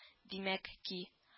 Димәк ки